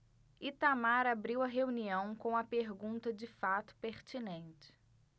itamar abriu a reunião com uma pergunta de fato pertinente